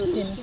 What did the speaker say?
Séni